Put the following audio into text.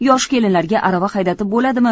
yosh kelinlarga arava haydatib bo'ladimi